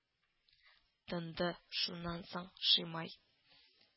Тынды шуннан соң Шимай